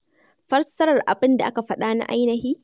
Fassara Abin da aka faɗa na ainihi